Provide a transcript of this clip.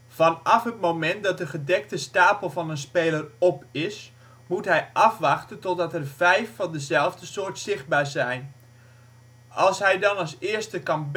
Vanaf de gedekte stapel van een speler op is, moet hij afwachten tot dat er 5 van dezelfde soort zichtbaar zijn. Als hij dan als eerste kan bellen